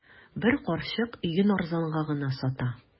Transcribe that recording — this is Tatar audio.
Бер карчык өен арзанга гына сата.